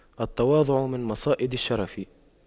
التواضع من مصائد الشرف